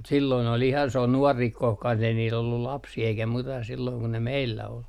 mutta silloin oli ihan se on nuori koska ei niillä ollut lapsia eikä muita silloin kun ne meillä oli